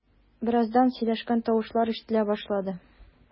Бераздан сөйләшкән тавышлар ишетелә башлады.